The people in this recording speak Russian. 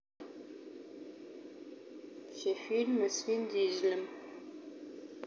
все фильмы с вин дизелем